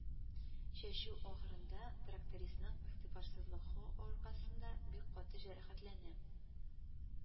Чәчү ахрында трактористның игътибарсызлыгы аркасында бик каты җәрәхәтләнә